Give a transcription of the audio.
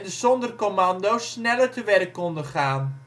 Sonderkommandos sneller te werk konden gaan